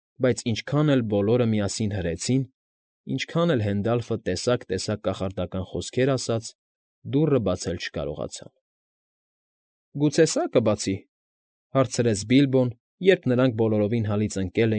Բայց ինչքան էլ բոլորը միասին հրեցին, ինչքան էլ Հենդալֆը տեսակ֊տեսակ կախարդական խոսքեր ասաց, դուռը բացել չկարողացան։ ֊ Գուցե սա՞ կբացի,֊ հարցերց Բիլբոն, երբ նրանք բոլորովին հալից ընկել։